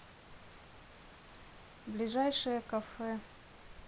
ближайшее кафе